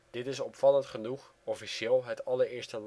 Dit is opvallend genoeg officieel het allereerste